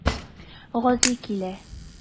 Гази килә.